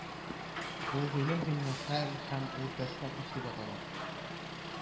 Бу гыйлем гыйльме хәл һәм ул тәсаввыф дип атала